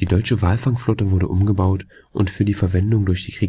Die deutsche Walfangflotte wurde umgebaut und für die Verwendung durch